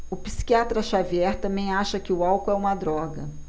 o psiquiatra dartiu xavier também acha que o álcool é uma droga